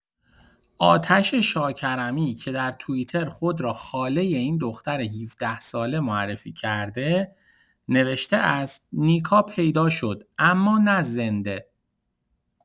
آتش شاکرمی که در توییتر خود را خاله این دختر ۱۷ ساله معرفی کرده، نوشته است: نیکا پیدا شد؛ اما نه زنده!